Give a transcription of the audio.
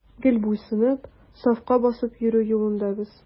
Гел буйсынып, сафка басып йөрү юлында без.